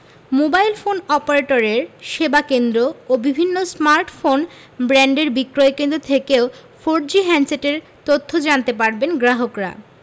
mobile phone অপারেটরের সেবাকেন্দ্র ও বিভিন্ন স্মার্টফোন ব্র্যান্ডের বিক্রয়কেন্দ্র থেকেও ফোরজি হ্যান্ডসেটের তথ্য জানতে পারবেন গ্রাহকরা